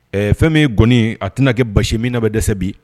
Ɛɛ fɛn bɛ nk a tɛna kɛ basi min na bɛ dɛsɛ bi